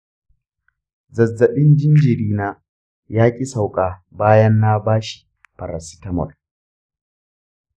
zazzaɓin jinjirina ya ƙi sauka bayan na ba shi paracetamol.